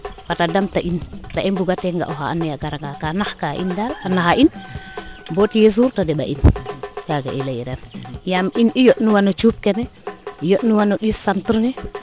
ndiiki i mbug u koy oxa ando naye a gara nga fata damta in ndax i mbuga te ga daal oxa ando naye a gara nga kaa nax ka in daal a naxa in boo tiye suur te deɓa in kaaga i leyi ran yaam in i yond nuwa no cuup kene yoɗ nuwa no ɗiis centre ne